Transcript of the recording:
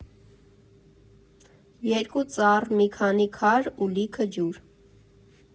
Երկու ծառ, մի քանի քար ու լիքը ջուր։